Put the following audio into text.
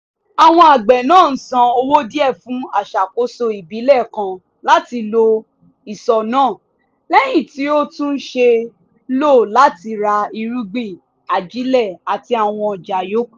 Àwọn àgbẹ̀ náà san owó díẹ̀ fún aṣàkóso ìbílẹ̀ kan láti ló ìṣọ̀ náà, lèyí tí ó tún ṣeé lò láti ra irúgbìn, ajílẹ̀ àti àwọn ọjà yòókù.